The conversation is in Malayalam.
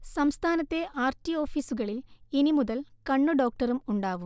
സംസ്ഥാനത്തെ ആർ ടി ഓഫീസുകളിൽ ഇനി മുതൽ കണ്ണുഡോക്ടറും ഉണ്ടാവും